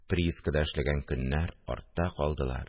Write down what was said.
Приискада эшләгән көннәр артта калдылар